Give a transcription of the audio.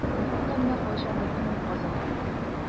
Минем атам да кайчандыр күмер казыган.